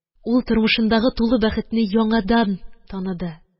Ул тормышындагы тулы бәхетне яңыдан таныды.